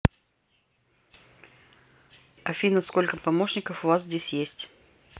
афина сколько помощников у вас здесь есть